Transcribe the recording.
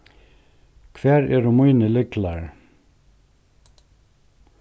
hvar eru mínir lyklar